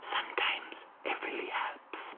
Sometimes it really helps.